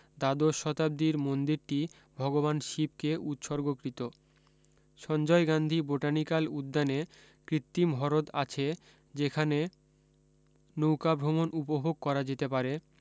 দ্বাদশ শতাব্দীর মন্দিরটি ভগবান শিবকে উৎসর্গকৃত সঞ্জয় গান্ধী বোটানিকাল উদ্দানে কৃত্রিম হরদ আছে যেখানে নৌকা ভ্রমণ উপভোগ করা যেতে পারে